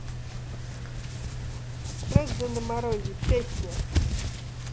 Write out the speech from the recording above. роза на морозе песня